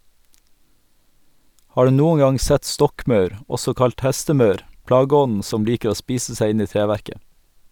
Har du noen gang sett stokkmaur , også kalt hestemaur , plageånden som liker å spise seg inn i treverket?